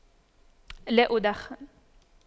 لا أدخن